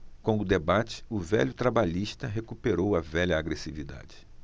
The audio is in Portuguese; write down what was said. com o debate o velho trabalhista recuperou a velha agressividade